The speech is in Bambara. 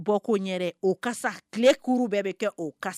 Bɔ koo oka tilekuru bɛɛ bɛ kɛ o